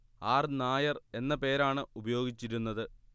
R Nair എന്ന പേരാണ് ഉപയോഗിച്ചിരുന്നത്